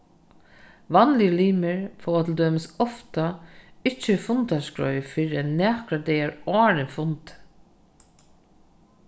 vanligir limir fáa til dømis ofta ikki fundarskráir fyrr enn nakrar dagar áðrenn fundin